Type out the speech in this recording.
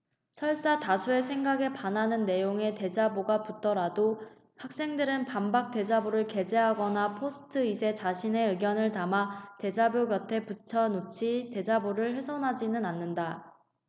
설사 다수의 생각에 반하는 내용의 대자보가 붙더라도 학생들은 반박 대자보를 게재하거나 포스트잇에 자신의 의견을 담아 대자보 곁에 붙여놓지 대자보를 훼손하지는 않는다